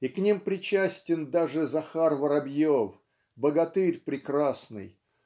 И к ним причастен даже Захар Воробьев, богатырь прекрасный